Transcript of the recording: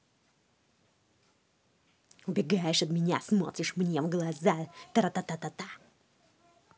убегаешь от меня смотришь мне в глаза тратататата